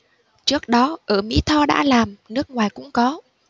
trước đó ở mỹ tho đã làm nước ngoài cũng có